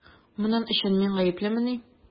Моның өчен мин гаеплемени?